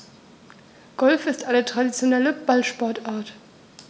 Golf ist eine traditionelle Ballsportart.